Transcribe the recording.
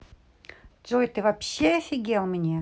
джой ты вообще офигел мне